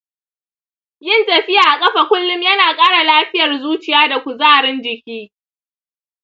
yin tafiya a ƙafa kullun yana ƙara lafiyar zuciya da kuzarin jiki.